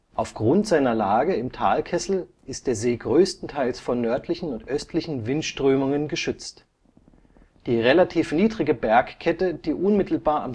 Aufgrund seiner Lage im Talkessel ist der See größtenteils vor nördlichen und östlichen Windströmungen geschützt. Die relativ niedrige Bergkette, die unmittelbar